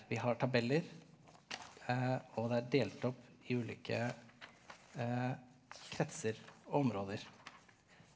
vi har tabeller og det er delt opp i ulike kretser og områder.